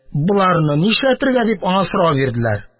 Боларны ни эшләтергә? – дип, аңа сорау бирделәр.